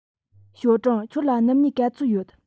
ཞའོ ཀྲང ཁྱོད ལ སྣུམ སྨྱུག ག ཚོད ཡོད